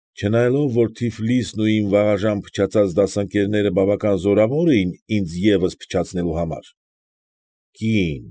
Չնայելով, որ Թիֆլիսն ու իմ վաղաժամ փչացած դասընկերները բավական զորավոր էին ինձ ևս փչացնելու համար. Կի՛ն։